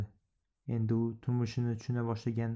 endi u turmushni tushuna boshlagan